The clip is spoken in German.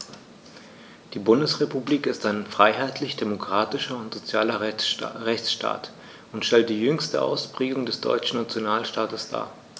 Die Bundesrepublik ist ein freiheitlich-demokratischer und sozialer Rechtsstaat[9] und stellt die jüngste Ausprägung des deutschen Nationalstaates dar.